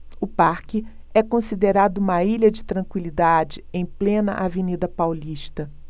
o parque é considerado uma ilha de tranquilidade em plena avenida paulista